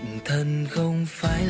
độc thân không phải